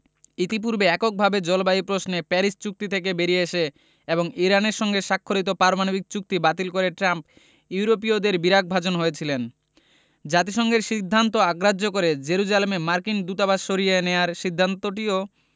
ইতিপূর্বে এককভাবে জলবায়ু প্রশ্নে প্যারিস চুক্তি থেকে বেরিয়ে এসে এবং ইরানের সঙ্গে স্বাক্ষরিত পারমাণবিক চুক্তি বাতিল করে ট্রাম্প ইউরোপীয়দের বিরাগভাজন হয়েছিলেন জাতিসংঘের সিদ্ধান্ত অগ্রাহ্য করে জেরুজালেমে মার্কিন দূতাবাস সরিয়ে নেওয়ার সিদ্ধান্তটিও